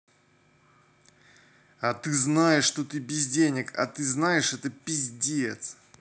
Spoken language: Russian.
а ты знаешь что ты без денег а ты знаешь это пиздец